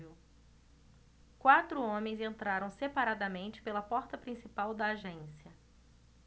quatro homens entraram separadamente pela porta principal da agência